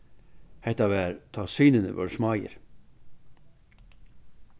hetta var tá synirnir vóru smáir